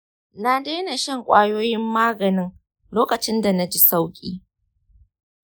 na daina shan ƙwayoyin maganin lokacin da na ji sauƙi.